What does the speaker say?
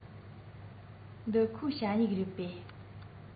འདི ཁོའི ཞ སྨྱུག རེད པས